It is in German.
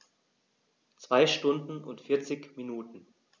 2 Stunden und 40 Minuten